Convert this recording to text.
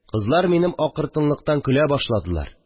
Кызлар минем акыртынлыктан көлә башладылар